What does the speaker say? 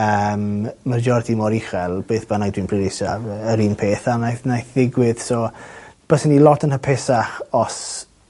yym majority mor uchel beth bynnag dwi'n pleidleisio ag yr un peth â wnaeth neath ddigwydd so byswn i lot yn hapusach os